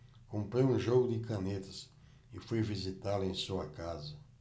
comprei um jogo de canetas e fui visitá-lo em sua casa